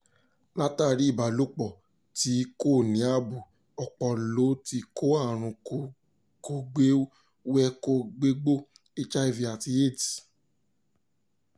Látàrí ìbálòpọ̀ tí kò ní ààbò, ọ̀pọ̀ l'ó ti kó àrùn kògbéwékògbègbó HIV àti AIDS.